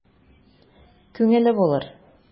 Күңеле булыр...